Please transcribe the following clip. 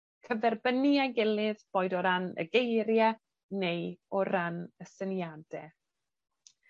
cyferbynnu â'i gilydd boed o ran y geirie neu o ran y syniade.